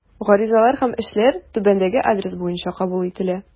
Гаризалар һәм эшләр түбәндәге адрес буенча кабул ителә.